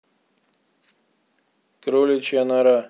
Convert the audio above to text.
кроличья нора